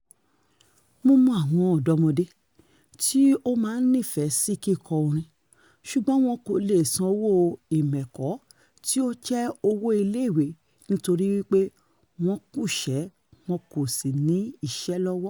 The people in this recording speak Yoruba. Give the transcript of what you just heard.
"Mo mọ àwọn ọ̀dọ́mọdé tí ó máa nífẹ̀ẹ́ sí kíkọ́ orin ṣùgbọ́n wọn kò leè san owó ìmẹ̀kọ tí ó jẹ́ owó iléèwé nítorí wípé wọn kúṣẹ̀ẹ́ wọn kò sì ní iṣẹ́ lọ́wọ́ ".